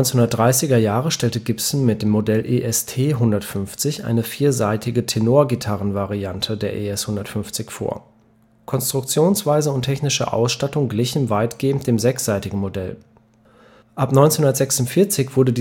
1930er-Jahre stellte Gibson mit dem Modell EST-150 eine viersaitige Tenorgitarren-Variante der ES-150 vor. Konstruktionsweise und technische Ausstattung glichen weitgehend dem sechssaitigen Modell. Ab 1946 wurde